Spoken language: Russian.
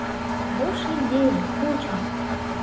хорошая идея очень